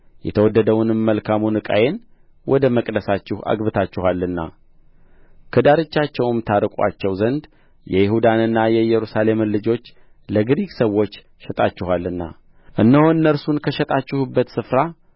የተወደደውንም መልካሙን ዕቃዬን ወደ መቅደሳችሁ አግብታችኋልና ከዳርቻቸውም ታርቁአቸው ዘንድ የይሁዳንና የኢየሩሳሌምን ልጆች ለግሪክ ሰዎች ሸጣችኋልና እነሆ እነርሱን ከሸጣችሁበት ስፍራ